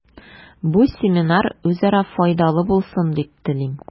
Бу семинар үзара файдалы булсын дип телим.